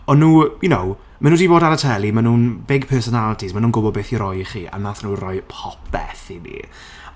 O'n nhw... You know. Maen nhw 'di bod ar y teli, maen nhw'n big personalities, ma' nhw'n gwbod beth i roi i chi, a wnaethon nhw roi popeth i fi.